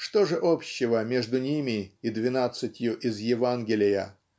что же общего между ними и двенадцатью из Евангелия?